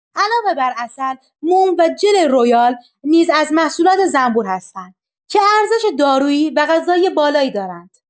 علاوه بر عسل، موم و ژل رویال نیز از محصولات زنبور هستند که ارزش دارویی و غذایی بالایی دارند.